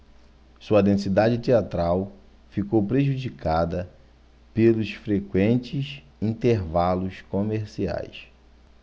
sua densidade teatral ficou prejudicada pelos frequentes intervalos comerciais